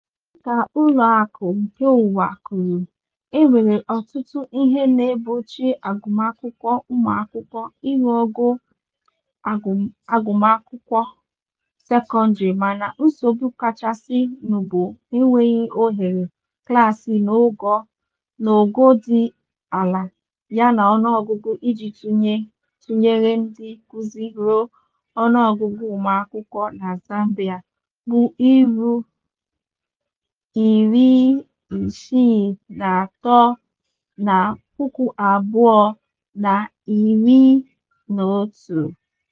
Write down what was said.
Dika World Bank kwuru, e nwere ọtụtụ ihe na-egbochi agụmakwụkwọ ụmụakwụkwọ irụ ogo agụmakwụkwọ sekọndrị mana nsogbu kachasị nụ bụ enweghị ohere klaasị n'ogo dị ala ya na ọnụọgụgụ iji tụnyere ndị nkụzi ruo ọnụọgụgụ ụmụakwụkwọ na Zambia bu 1 ruo 63 na 2011.